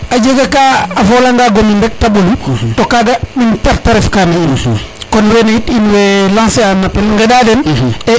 a jega ka a fola nga gomin rek te ɓolu to kaga une perte a ref ka na in kon wene yit in way lancer a un appel ŋeɗa den